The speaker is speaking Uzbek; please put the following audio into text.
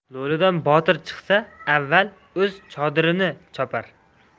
lo'lidan botir chiqsa avval o'z chodirini chopar